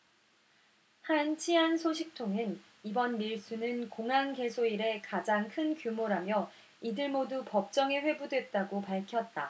한 치안 소식통은 이번 밀수는 공항 개소 이래 가장 큰 규모라며 이들 모두 법정에 회부됐다고 밝혔다